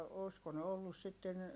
olisiko ne ollut sitten